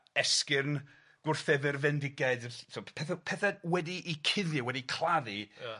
esgyrn Gwrthefyr Fendigaidd ys- t'o' pethe pethe wedi 'u cuddio, wedi claddu... Ia.